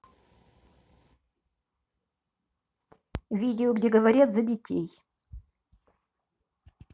видео где говорят за детей